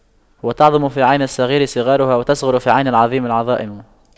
وتعظم في عين الصغير صغارها وتصغر في عين العظيم العظائم